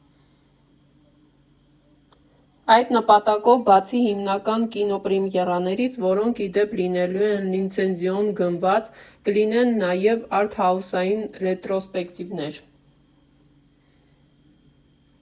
Այդ նպատակով բացի հիմնական կինոպրեմիերաներից, որոնք, ի դեպ, լինելու են լիցենզիոն գնված, կլինեն նաև արտհաուսային ռետրոսպեկտիվներ։